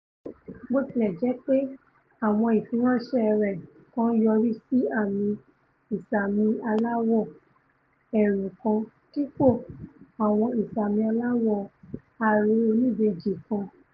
Botilẹjepe, àwọn ìfiránṣẹ́ rẹ̀, kàn yọrísí àmì ìṣàmi aláwọ̀ eérú kan, dípò àwọn ìṣàmì aláwọ̀ aró oníbejì kan.